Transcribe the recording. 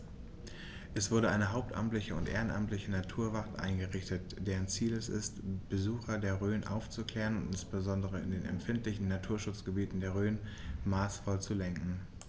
Es wurde eine hauptamtliche und ehrenamtliche Naturwacht eingerichtet, deren Ziel es ist, Besucher der Rhön aufzuklären und insbesondere in den empfindlichen Naturschutzgebieten der Rhön maßvoll zu lenken.